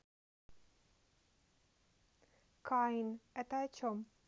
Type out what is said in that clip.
keane это о чем